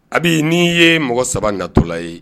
A n' ye mɔgɔ saba natola ye